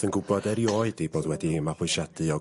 ...yn gwbod erioed ei bod wedi ei mabwysiadu o...